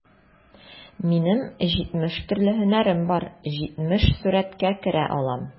Минем җитмеш төрле һөнәрем бар, җитмеш сурәткә керә алам...